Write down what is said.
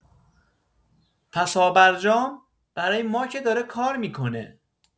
پسابرجام برای ما که داره کار می‌کنه.